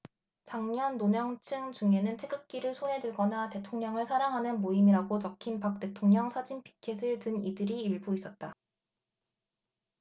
장년 노년층 중에는 태극기를 손에 들거나 대통령을 사랑하는 모임이라고 적힌 박 대통령 사진 피켓을 든 이들이 일부 있었다